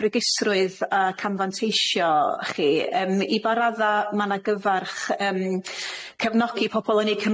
bregusrwydd ac anfanteisho chi yym i ba radda' ma' 'na gyfarch yym cefnogi pobol yn eu